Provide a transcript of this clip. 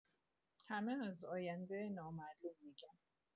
همه از آینده نامعلوم می‌گن.